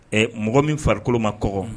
Ɛ mɔgɔ min farikolo ma kɔ